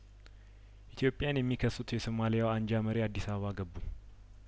ኢትዮጵያን የሚከሱት የሱማሌው አንጃ መሪ አዲስ አበባ ገቡ